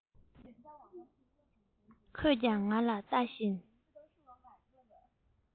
ཁོས ཀྱང ང ལ ལྟ བཞིན